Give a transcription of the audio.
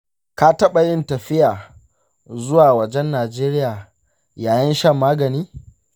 ka taɓa yin tafiya zuwa wajen najeriya yayin shan magani?